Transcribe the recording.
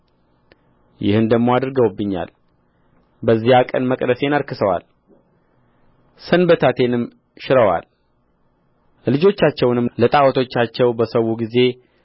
ይህን ደግሞ አድርገውብኛል በዚያ ቀን መቅደሴን አርክሰዋል ሰንበታቴንም ሽረዋል ልጆቻቸውንም ለጣዖቶቻቸው በሠዉ ጊዜ